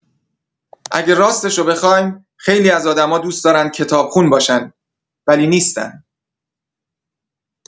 اگه راستشو بخوایم، خیلی از آدما دوست دارن کتاب‌خون باشن، ولی نیستن.